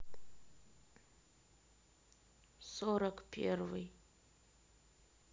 сорок первый